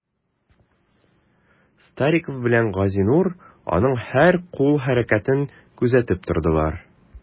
Стариков белән Газинур аның һәр кул хәрәкәтен күзәтеп тордылар.